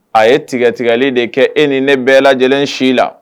A ye tigɛ tigɛli de kɛ e ni ne bɛɛ lajɛlen si la.